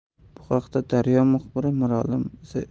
bu haqda daryo muxbiri